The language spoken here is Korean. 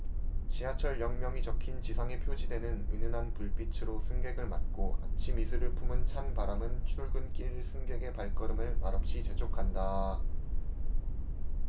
지하철 역명이 적힌 지상의 표지대는 은은한 불빛으로 승객을 맞고 아침 이슬을 품은 찬 바람은 출근길 승객의 발걸음을 말없이 재촉한다